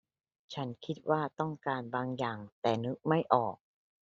ฉันคิดว่าต้องการบางอย่างแต่นึกไม่ออก